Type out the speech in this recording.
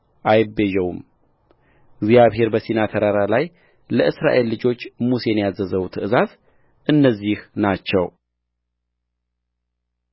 አይቤዠውምእግዚአብሔር በሲና ተራራ ላይ ለእስራኤል ልጆች ሙሴን ያዘዘው ትእዛዛት እነዚህ ናቸው